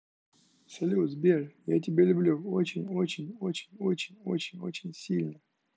салют сбер я тебя люблю очень очень очень очень очень очень сильно